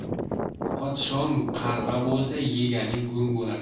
podshong qarg'a bo'lsa yeganing go'ng bo'lar